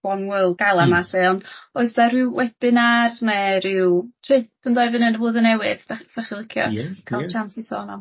one world gala 'ma 'lly ond oes 'na ryw webinar ne' ryw trip yn y blwyddyn newydd 'dach 'sach chi licio... Ie. ...ca'l tsiawns i sôn am?